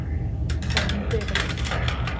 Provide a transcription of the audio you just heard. бандеровцы